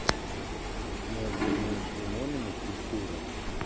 мой думаешь лимонами ты дура